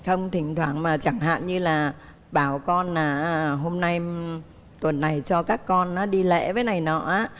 không thỉnh thoảng mà chẳng hạn như là bảo con là hôm nay tuần này cho các con nó đi lễ với này nọ á